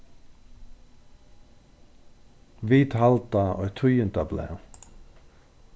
vit halda eitt tíðindablað